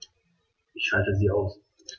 Ich schalte sie aus.